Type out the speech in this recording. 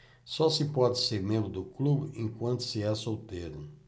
só se pode ser membro do clube enquanto se é solteiro